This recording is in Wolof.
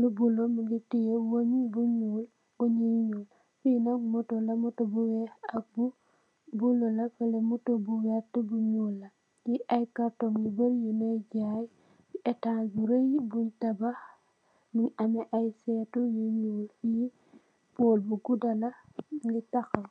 lu bulo muge teye weah bu nuul weah yu nuul fee nak motou la motou bu weex ak bu bulo la fele motou bu werte bu nuul la fee ay kartong yu bory yunuy jaye etass bu raye bun tabax muge ameh aye setou yu nuul fee pole bu gouda la muge tahaw.